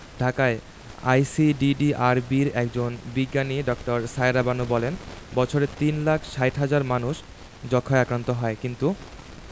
ঢাকায় আইসিডিডিআরবির একজন বিজ্ঞানী ড. সায়েরা বানু বলেন বছরে তিন লাখ ৬০ হাজার মানুষ যক্ষ্মায় আক্রান্ত হয় কিন্তু